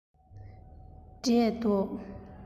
འབྲས འདུག